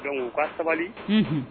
Dɔnkuc u ka sabali h